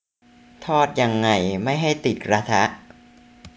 ทอดยังไงไม่ให้ติดกระทะ